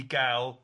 i ga'l